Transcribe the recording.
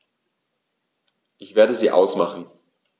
Ich werde sie ausmachen.